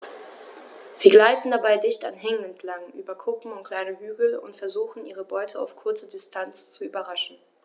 Sie gleiten dabei dicht an Hängen entlang, über Kuppen und kleine Hügel und versuchen ihre Beute auf kurze Distanz zu überraschen.